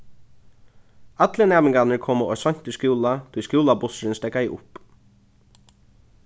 allir næmingarnir komu ov seint í skúla tí skúlabussurin steðgaði upp